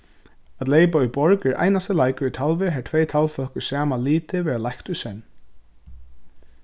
at leypa í borg er einasti leikur í talvi har tvey talvfólk í sama liti verða leikt í senn